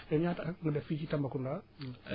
kon ñaata at nga def fii ci Tambacounda